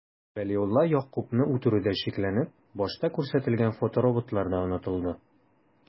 Вәлиулла Ягъкубны үтерүдә шикләнеп, башта күрсәтелгән фотороботлар да онытылды...